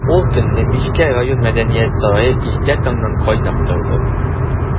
Ул көнне Мишкә район мәдәният сарае иртә таңнан кайнап торды.